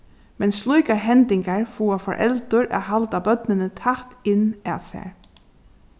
men slíkar hendingar fáa foreldur at halda børnini tætt inn at sær